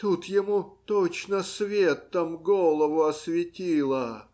тут ему точно светом голову осветило.